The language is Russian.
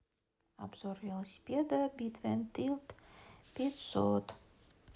обзор велосипеда бэ твин тилт пятьсот